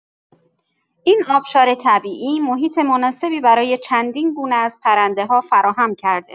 این آبشار طبیعی محیط مناسبی برای چندین گونه از پرنده‌ها فراهم کرده.